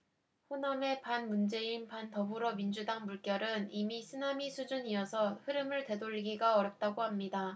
호남의 반문재인 반더불어민주당 물결은 이미 쓰나미 수준이어서 흐름을 되돌리기 어렵다고 합니다